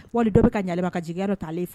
Wali dɔ bɛ ka yaa ka jigi dɔ t' ale